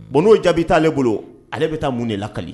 Bɔn n'o jaabi taalen bolo ale bɛ taa mun de lakali